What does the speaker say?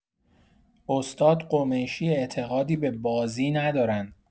استاد قمیشی اعتقادی به بازی ندارن!